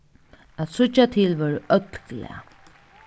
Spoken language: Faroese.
at síggja til vóru øll glað